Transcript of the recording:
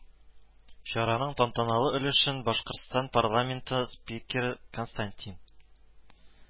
Чараның тантаналы өлешен Башкортстан парламенты спикеры Константин